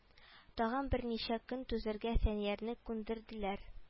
Тагын берничә көн түзәргә фәниярны күндерделәр